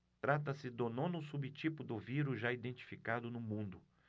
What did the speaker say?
trata-se do nono subtipo do vírus já identificado no mundo